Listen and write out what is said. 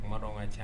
Ma dɔn n ka cɛ.